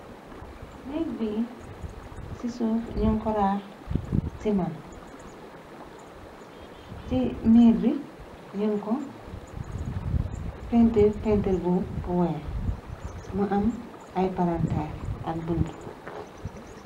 nekk bi ci suuf ñun ko raax si man ci mirri ñu ko pentir pentir bu weex mu am ay parenteir ak bunt